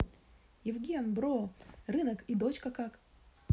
евген бро рынок и дочка как